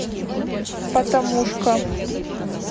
патамушка